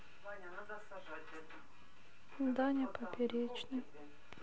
даня поперечный